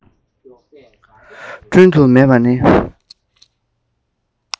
བསྒྲུན དུ མེད པ ནི